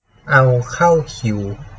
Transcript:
เอาเข้าคิว